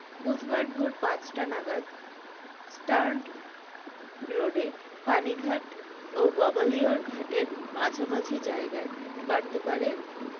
বুধবার ভোর পাঁচটা নাগাদ স্ট্যারণ্ড রোডে পানিঘাট ও গবালিয়র ঘাটের মাঝামাঝি জায়গায় বাড়তে পারে